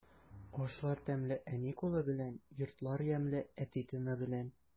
Ашлар тәмле әни кулы белән, йортлар ямьле әти тыны белән.